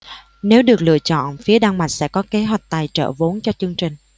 nếu được lựa chọn phía đan mạch sẽ có kế hoạch tài trợ vốn cho chương trình